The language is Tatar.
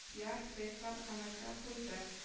Пиар-проектлар гамәлгә куйды